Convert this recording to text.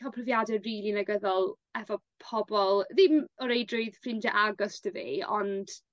ca'l profiade rili negyddol efo pobol ddim o reidrwydd ffrindie agos 'dy fi ond